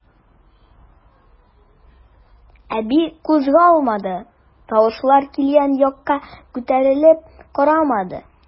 Әби кузгалмады, тавышлар килгән якка күтәрелеп карамады.